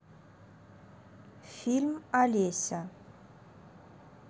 фильм олеся